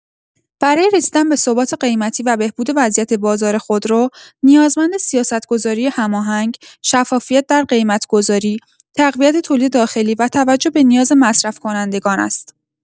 برای رسیدن به ثبات قیمتی و بهبود وضعیت بازار خودرو، نیازمند سیاست‌گذاری هماهنگ، شفافیت در قیمت‌گذاری، تقویت تولید داخلی و توجه به نیاز مصرف‌کنندگان است.